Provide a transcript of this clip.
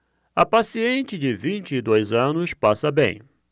a paciente de vinte e dois anos passa bem